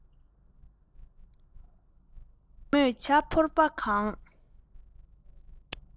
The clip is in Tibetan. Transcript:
རྒད མོས ཇ ཕོར པ གང